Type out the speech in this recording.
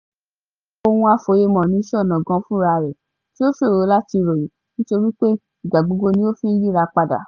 Ohun àfòyemọ̀ ni iṣẹ́ ọnà gan fúnra rẹ̀ tí ó ṣòro láti ròyìn nítorí pé ìgbà gbogbo ni ó fi ń yíra padà.